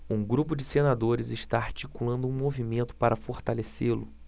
um grupo de senadores está articulando um movimento para fortalecê-lo